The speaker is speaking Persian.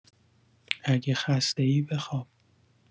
اگه خسته‌ای، بخواب